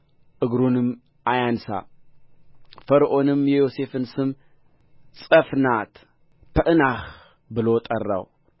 እግሩንም አያንሣ ፈርዖንም የዮሴፍን ስም ጸፍናት ፐዕናህ ብሎ ጠራው